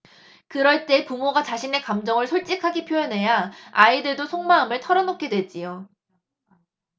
그럴 때 부모가 자신의 감정을 솔직하게 표현해야 아이들도 속마음을 털어 놓게 되지요